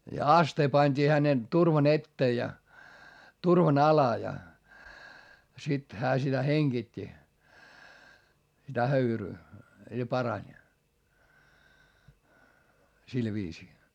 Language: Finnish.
ja astia pantiin hänen turvan eteen ja turvan alle ja sitten hän sitä hengitti sitä höyryä ja parani sillä viisiin